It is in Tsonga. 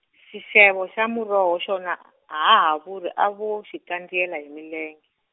xixevo xa muroho xona a ha, ha vuri a vo xikandziyela hi milenge.